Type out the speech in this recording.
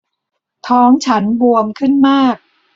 ท้องฉันบวมขึ้นมาก